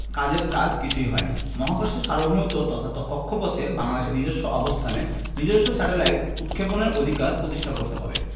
কাজের কাজ কিছুই হয়নি মহাকাশের সার্বভৌমত্ব তথা কক্ষপথে বাংলাদেশের নিজস্ব অবস্থানে নিজস্ব স্যাটেলাইট উৎক্ষেপণের অধিকার প্রতিষ্ঠা করতে হবে